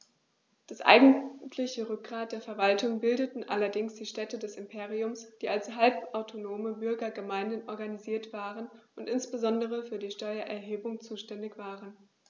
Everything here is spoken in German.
Das eigentliche Rückgrat der Verwaltung bildeten allerdings die Städte des Imperiums, die als halbautonome Bürgergemeinden organisiert waren und insbesondere für die Steuererhebung zuständig waren.